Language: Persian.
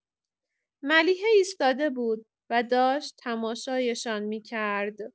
ملیحه ایستاده بود و داشت تماشایشان می‌کرد.